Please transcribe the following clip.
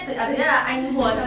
thứ nhất là anh hùa